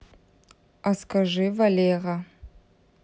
а скажи валера